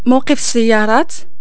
موقف السيارات